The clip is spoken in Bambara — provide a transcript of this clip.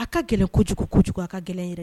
A ka gɛlɛn kojugu ko kojugu a ka gɛlɛn yɛrɛ